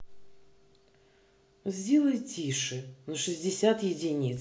сделай тише на шестьдесят единиц